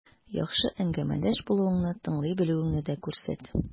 Яхшы әңгәмәдәш булуыңны, тыңлый белүеңне дә күрсәт.